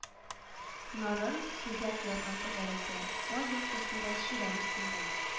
Нарын сөзәк ярга тәгәрәтә, ай яктысында чирәм өстендә